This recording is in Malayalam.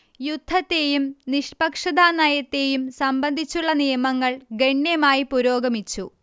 യുദ്ധത്തെയും നിഷ്പക്ഷതാനയത്തെയും സംബന്ധിച്ചുള്ള നിയമങ്ങൾ ഗണ്യമായി പുരോഗമിച്ചു